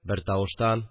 Бертавыштан